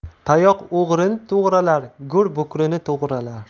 tayoq o'g'rini to'g'rilar go'r bukrini to'g'rilar